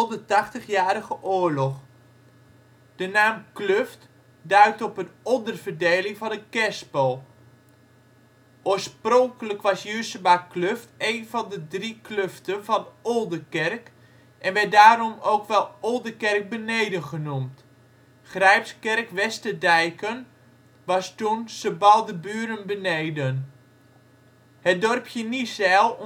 de Tachtigjarige Oorlog. De naam kluft duidt op een onderverdeling van een kerspel. Oorspronkelijk was Juursemakluft een van de drie kluften van Oldekerk en werd daarom ook wel Oldekerk-Beneden genoemd (Grijpskerk/Westerdijken was toen Sebaldeburen-Beneden). Het dorpje Niezijl